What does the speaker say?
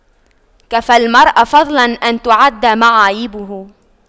كفى المرء فضلا أن تُعَدَّ معايبه